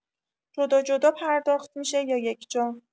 جدا جدا پرداخت می‌شه یا یکجا؟